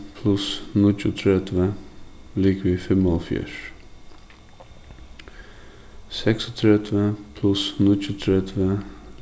pluss níggjuogtretivu ligvið fimmoghálvfjerðs seksogtretivu pluss níggjuogtretivu